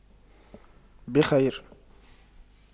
بخير